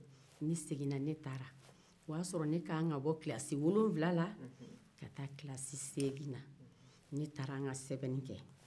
o y'a sɔrɔ ne kan ka bɔ kilasi wolonwula la ka taa kilasi segin na ne taara n'ka sɛbɛnin kɛ